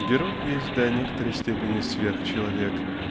Герой есть до некоторой степени сверхчеловек